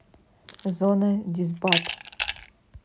зона дисбат